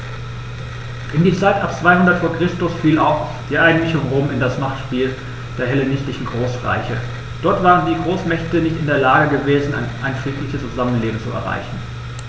In die Zeit ab 200 v. Chr. fiel auch die Einmischung Roms in das Machtspiel der hellenistischen Großreiche: Dort waren die Großmächte nicht in der Lage gewesen, ein friedliches Zusammenleben zu erreichen.